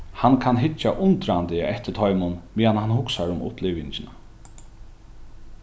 hann kann hyggja undrandi eftir teimum meðan hann hugsar um upplivingina